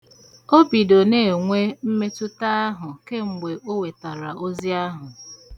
Ọ bido na-enwe mmetụta ahụ kemgbe o wetara ozi ahu.